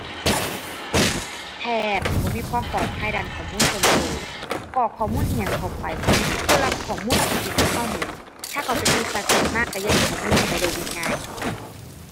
แทบสิบ่มีความปลอดภัยด้านข้อมูลส่วนตัว กรอกข้อมูลอิหยังเข้าไป ผู้รับข้อมูลเขาเห็นของตัวตัว ถ้าเขาเป็นมิจฉาชีพมาตัวแย่งข้อมูลตัวไปได้ง่ายง่าย